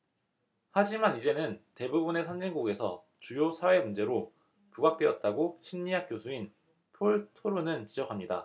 하지만 이제는 대부분의 선진국에서 주요 사회 문제로 부각되었다고 심리학 교수인 폴 토로는 지적합니다